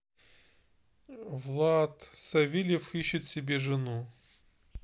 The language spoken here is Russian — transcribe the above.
влад савельев ищет себе жену